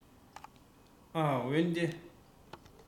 འོན ཏེ